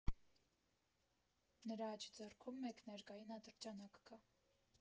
Նրա աջ ձեռքում մեկնարկային ատրճանակ կա։